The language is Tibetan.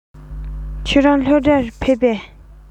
ཁྱེད རང སློབ གྲྭར ཕེབས པས